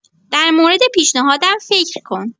درمورد پیشنهادم فکر کن.